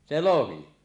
se lohi